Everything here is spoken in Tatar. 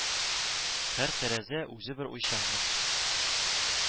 Һәр тәрәзә үзе бер уйчанлык